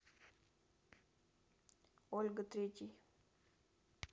ольга третий